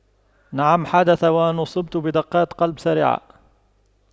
نعم حدث وان اصبت بدقات قلب سريعة